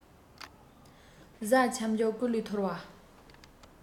གཟའ ཁྱབ འཇུག སྐུ ལུས ཐོར བ